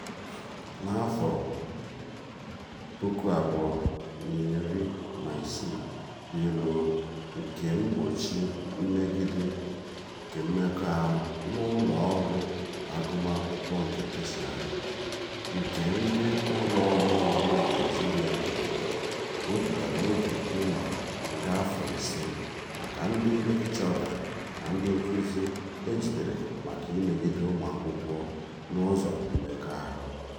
Na 2016, "Bịịlụ nke Mgbochi Mmegide Kemmekọahụ n'Ụlọọrụ Agụmakwụkwọ nke Teshịarị", nke ndị Ụlọ Omeiwu Naịjirịa kwadoro wepụtara oge ịnọ nga afọ 5 maka ndị lekịchọra na ndị nkuzi e jidere maka imegide ụmụ akwụkwọ n'ụzọ mmekọahụ.